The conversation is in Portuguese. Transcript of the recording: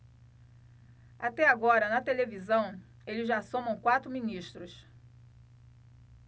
até agora na televisão eles já somam quatro ministros